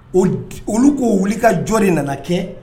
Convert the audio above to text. O olu k'o wulikajɔ de nana kɛ